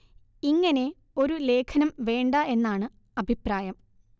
ഇങ്ങനെ ഒരു ലേഖനം വേണ്ട എന്നാണ് അഭിപ്രായം